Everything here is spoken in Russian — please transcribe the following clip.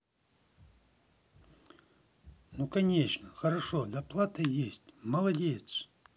ну конечно хорошо доплата есть молодец